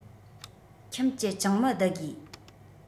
ཁྱིམ གྱི ཅང མི བསྡུ དགོས